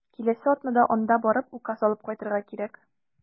Киләсе атнада анда барып, указ алып кайтырга кирәк.